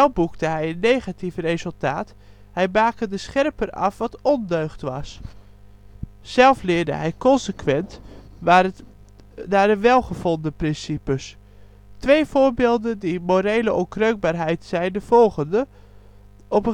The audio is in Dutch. boekte hij een negatief resultaat: hij bakende scherper af wat ondeugd was. Zelf leefde hij consequent naar de wel gevonden principes. Twee voorbeelden van die morele onkreukbaarheid zijn de volgende: Op